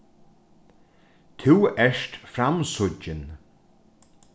tú ert framsíggin